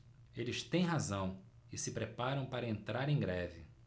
eles têm razão e se preparam para entrar em greve